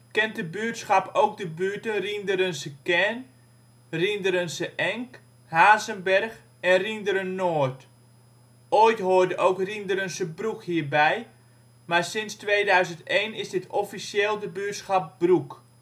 kent de buurtschap ook de buurten Rhienderense Kern, Rhienderense Enk, Hazenberg en Rhienderen Noord. Ooit hoorde ook Rhienderense Broek hierbij, maar sinds 2001 is dit officieel de buurtschap Broek